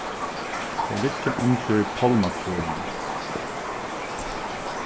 tey liggja undir pálmatrøunum